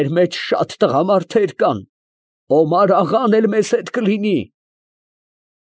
Մեր մեջ շատ տղամարդեր կան… Օմար֊աղան էլ մեզ հետ կլինի…։